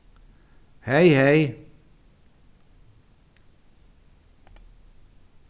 hey hey